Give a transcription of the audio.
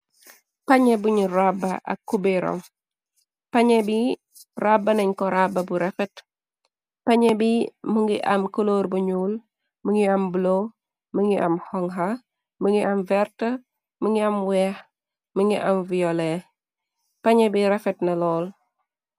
Panye buñu ràbba ak cuberam panye bi rabba nañ ko rabba bu refet panye bi mungi am koloor bu ñuul mi ngi am bulo mingi am honha mi ngi am verta mi ngi am weex mi ngi am viyolee panye bi refet na lool.